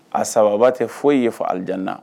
A sababa tɛ fosi ye fo aljana